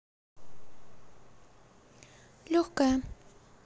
легкая